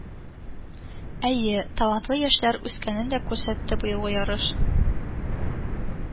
Әйе, талантлы яшьләр үскәнен дә күрсәтте быелгы ярыш